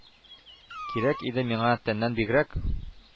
Кирәк иде миңа тәннән бигрәк